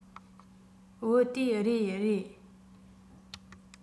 བུ དེས རེད རེད